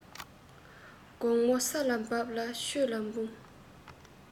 དགོངས མོ ས ལ བབས ལ ཆོས ལ འབུངས